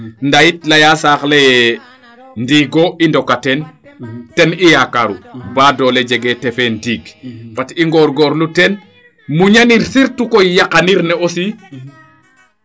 ndaa yit leyaa saax le yee ndiigo i ndoka teen ten i yaakaru baadole jege tefee ndiing fat i ngorgorlu teen muña nir surtout koy yaqanir ne aussi